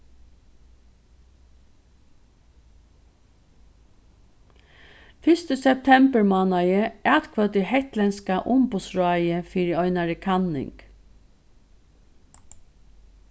fyrst í septemburmánaði atkvøddi hetlendska umboðsráðið fyri einari kanning